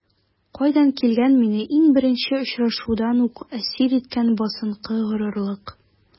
Кайдан килгән мине иң беренче очрашулардан үк әсир иткән басынкы горурлык?